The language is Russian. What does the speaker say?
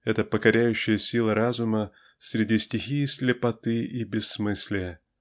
эта покоряющая сила разума среди стихии слепоты и безмыслия